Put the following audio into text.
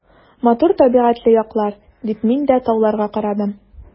Матур табигатьле яклар, — дип мин дә тауларга карадым.